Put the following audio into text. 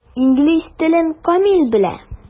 Инглиз телен камил белә.